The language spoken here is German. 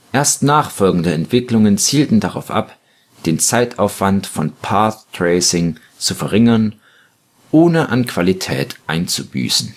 Erst nachfolgende Entwicklungen zielten darauf ab, den Zeitaufwand von Path Tracing zu verringern, ohne an Qualität einzubüßen